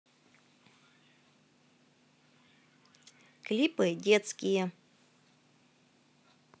клипы детские